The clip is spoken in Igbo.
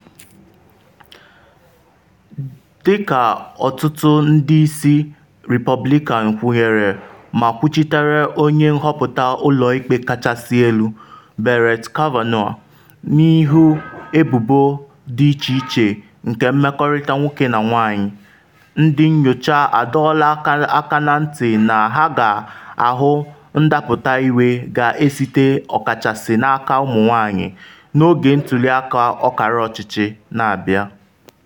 Dị ka ọtụtụ ndị isi Repọblikan kwụnyere ma kwuchitere Onye nhọpụta Ụlọ Ikpe Kachasị Elu Brett Kavanaugh n’ihu ebubo dị iche iche nke mmekọrịta nwoke na nwanyị, ndị nyocha adọọla aka na ntị na ha ga-ahụ ndapụta iwe ga-esite ọkachasị n’aka ụmụ-nwanyị, n’oge ntuli aka ọkara ọchịchị na-abịa.